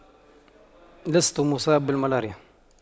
لست مصاب بالملاريا